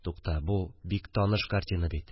Тукта, бу бик таныш картина бит